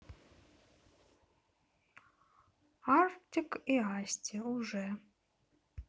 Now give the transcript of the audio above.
artik и asti уже